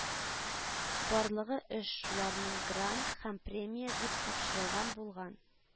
Барлыгы эш, шуларның “грант” һәм “премия” дип тапшырылган булган